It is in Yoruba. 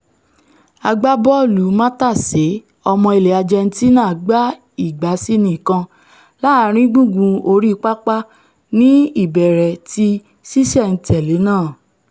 Agbábọ́ọ̀lùmátàṣé ọmọ ilẹ̀ Ajẹntína gba ìgbásíni kan láàrin gungun orí pápá ní ìbẹ̀rẹ̀ ti ṣíṣẹ̀-n-tẹ̀lé náà.